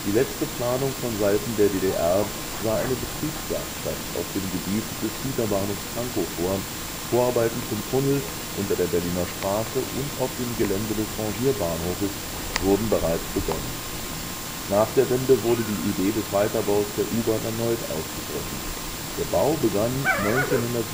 letzte Planung von Seiten der DDR sah eine Betriebswerkstatt auf dem Gebiet des Güterbahnhofs Pankow vor, Vorarbeiten zum Tunnel unter der Berliner Straße und auf dem Gelände des Rangierbahnhofes wurden bereits begonnen. Nach der Wende wurde die Idee des Weiterbaus der U-Bahn erneut aufgegriffen. Der Bau begann 1997. Für